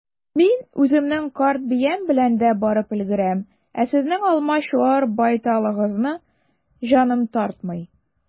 Мин үземнең карт биям белән дә барып өлгерәм, ә сезнең алмачуар байталыгызны җаным тартмый.